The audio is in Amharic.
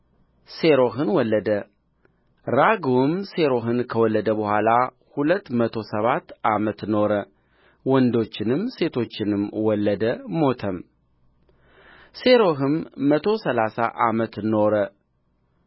ሴሮሕንም ወለደ ራግውም ሴሮሕን ከወለደ በኋላ ሁለት መቶ ሰባት ዓመት ኖረ ወንዶችንም ሴቶችንም ወለደ ሞተም ሴሮሕም መቶ ሠላሳ ዓመት ኖረ